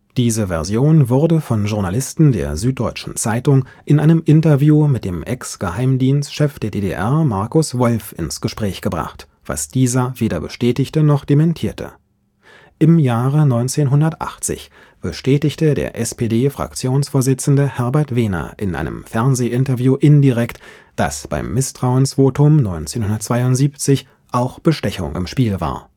Diese Version wurde von Journalisten der Süddeutschen Zeitung in einem Interview mit dem Ex-Geheimdienstchef der DDR, Markus Wolf, ins Gespräch gebracht, was dieser weder bestätigte noch dementierte. Im Jahre 1980 bestätigte der SPD-Fraktionsvorsitzende Herbert Wehner in einem Fernsehinterview indirekt, dass beim Misstrauensvotum 1972 auch Bestechung im Spiel war